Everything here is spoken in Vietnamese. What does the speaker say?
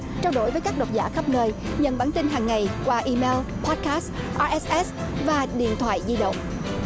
trao đổi với các độc giả khắp nơi nhận bản tin hằng ngày qua i meo pác cát a ét ét và điện thoại di động